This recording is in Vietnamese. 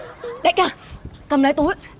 đại ca cầm lấy túi